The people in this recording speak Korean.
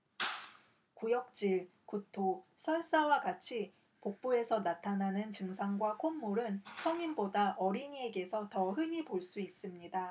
구역질 구토 설사와 같이 복부에서 나타나는 증상과 콧물은 성인보다 어린이에게서 더 흔히 볼 수 있습니다